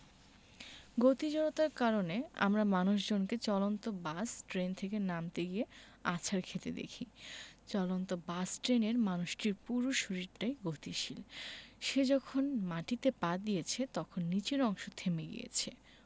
গতি জড়তার কারণে আমরা মানুষজনকে চলন্ত বাস ট্রেন থেকে নামতে গিয়ে আছাড় খেতে দেখি চলন্ত বাস ট্রেনের মানুষটির পুরো শরীরটাই গতিশীল সে যখন মাটিতে পা দিয়েছে তখন নিচের অংশ থেমে গিয়েছে